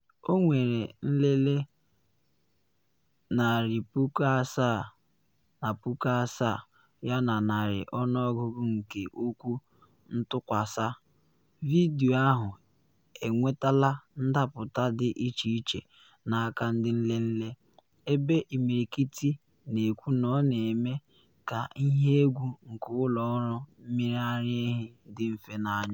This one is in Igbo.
Ọ nwere nlele 77,000 yana narị ọnụọgụ nke okwu ntụkwasa, vidio ahụ enwetala ndapụta dị iche iche n’aka ndị nlele, ebe imirikiti na ekwu na ọ na eme ka “ihe egwu” nke ụlọ ọrụ mmiri ara ehi dị mfe n’anya.